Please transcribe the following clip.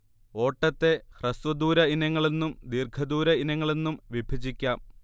ഓട്ടത്തെ ഹ്രസ്വ ദൂര ഇനങ്ങളെന്നും ദീർഘദൂര ഇനങ്ങളെന്നും വിഭജിക്കാം